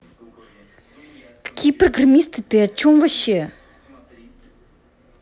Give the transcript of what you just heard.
какие программисты ты о чем вообще